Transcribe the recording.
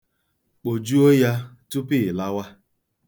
Kpojuo ya tupu ị lawa.